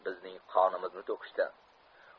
bizning qonimizni to'kishdi